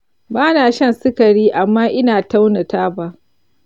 ba na shan sigari amma ina tauna taba.